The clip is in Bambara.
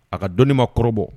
A ka dɔnnii ma kɔrɔbɔ.